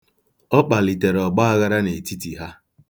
Ọ kpalitere ọgbaaghara n'etiti ha.